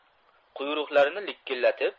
quyruqlarini likillatib